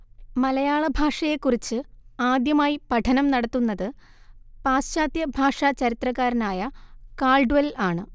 മലയാള ഭാഷയെക്കുറിച്ച് ആദ്യമായി പഠനം നടത്തുന്നത് പാശ്ചാത്യ ഭാഷാ ചരിത്രകാരനായ കാൾഡ്വെൽ ആണ്